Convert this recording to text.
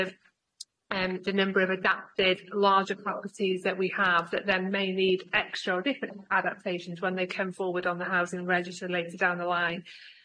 of the number of adaptive larger properties that we have that then may need extra or different adaptations when they come forward on the housing register later down the line.